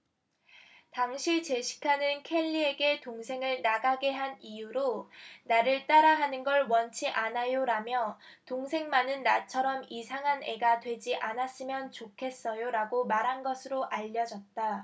당시 제시카는 켈리에게 동생을 나가게 한 이유로 나를 따라 하는 걸 원치 않아요라며 동생만은 나처럼 이상한 애가 되지 않았으면 좋겠어요라고 말한 것으로 알려졌다